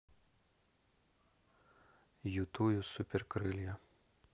ютую суперкрылья